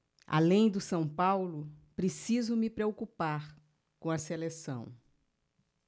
além do são paulo preciso me preocupar com a seleção